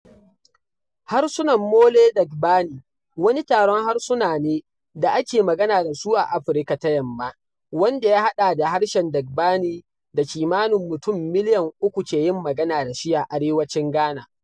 Harsunan Mole-Dagbani wani taron harsuna ne da ake magana da su a Afirka ta Yamma, wanda ya haɗa da harshen Dagbani da kimanin mutum miliyan uku ke yin magana da shi a arewacin Ghana.